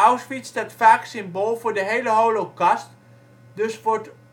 Auschwitz " staat vaak symbool voor de hele Holocaust, dus wordt